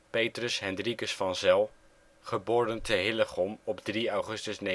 Petrus Hendrikus (Piet) van Zeil (Hillegom, 3 augustus 1927